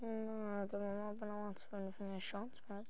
Na, dwi'm yn meddwl bod 'na lot mwy. Wnaethon ni wneud shortbreads.